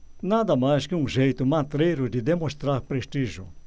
nada mais que um jeito matreiro de demonstrar prestígio